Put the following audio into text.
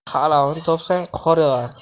qalovini topsang qor yonar